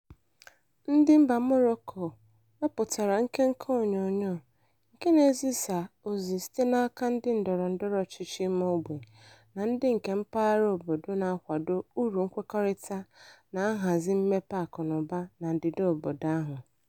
Ndị mba Moroko wepụtara nkenke onyonyo nke na-ezisaozi site n'aka ndị ndọrọ ndọrọ ọchịchị ime ogbe na ndị nke mpaghara obodo na-akwado uru nkwekọrịta na nhazi mmepe akụnaụba n'Ndịda obodo ahụ.